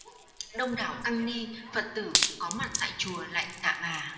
đông đảo tăng ni phật tử có mặt tại chùa lạy tạ bà